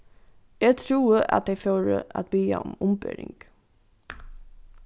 eg trúði at tey fóru at biðja um umbering